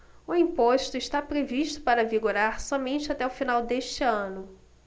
o imposto está previsto para vigorar somente até o final deste ano